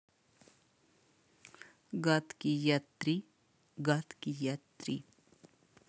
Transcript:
гадкий я три гадкий я три